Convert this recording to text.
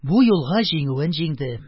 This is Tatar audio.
Бу юлга җиңүен җиңдем